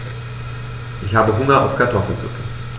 Ich habe Hunger auf Kartoffelsuppe.